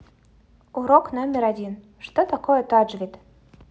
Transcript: урок номер один что такое таджвид